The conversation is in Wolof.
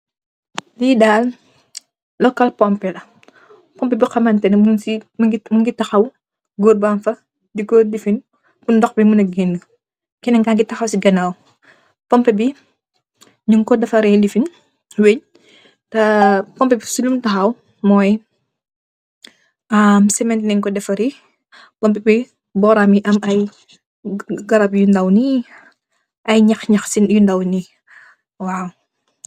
Lii daal, local pompee la, pompee bi mu ngi taxaw, Goor bañ ko defar pur mu ..Kenen kaa ngi taxaw si ganaawam . pompee bi ñun ko defaree weeñ, të pompee si lum taxaw, siment lañ co defaree. Pompee bi si bóoram, mu ngi am ay ñax yu ndaw.